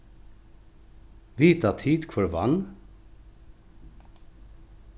vita tit hvør vann